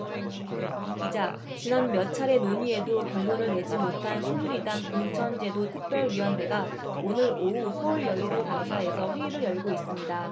기자 지난 몇 차례 논의에도 결론을 내지 못한 새누리당 공천제도특별위원회가 오늘 오후 서울 여의도 당사에서 회의를 열고 있습니다